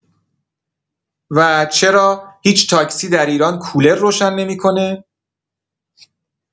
و چرا هیچ تاکسی در ایران کولر روشن نمی‌کنه؟